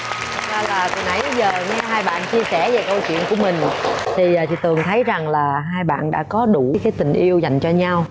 ra là từ nãy đến giờ nghe hai bạn chia sẻ về câu chuyện của mình thì chị tường thấy rằng là hai bạn đã có cái đủ tình yêu dành cho nhau